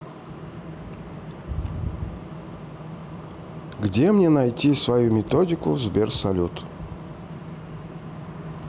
где мне найти свою медиатеку в сбер салют